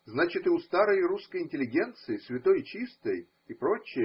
Значит, и у старой русской интеллигенции, святой и чистой и пр.